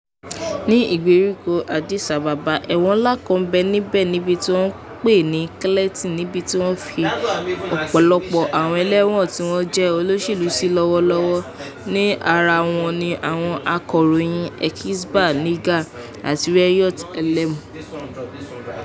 Ní ìgbèríko Addis Ababa, ẹ̀wọ̀n ńlá kan ń bẹ níbẹ̀ tí wọn ń pè ní Kality níbi tí wọ́n fi ọ̀pọ̀lọpọ̀ àwọn ẹlẹ́wọ̀n tí wọ́n jẹ́ olóṣèlú sí lọ́wọ́lọ́wọ́, ní ara wọn ni àwọn akọ̀ròyìn Eskinbar Nega àti Reeyot Alemu.